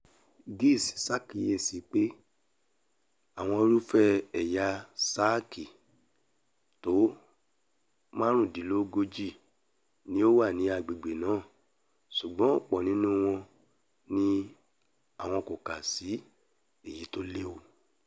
Giles ṣàkíyèsí pé àwọn irúfẹ́ ẹ̀yà sáàkì tó máàrùndínlógójì ni o wà ní agbègbè̀ náà, ṣùgbọ́n ọ̀pọ̀ nínú wọn ni àwọn kò kà sí èyití ó léwu.